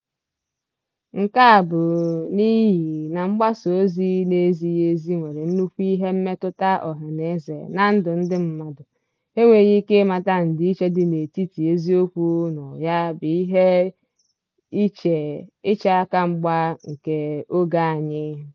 Nke a bụ n'ịhị na mgbasaozi n'ezighị ezi nwere nnukwu ihe mmetụta ọhanaeze na ndụ ndị mmadụ; enweghị ike ịmata ndịiche dị n'etiti eziokwu na ụgha bụ ihe iche akamgba nke oge anyị.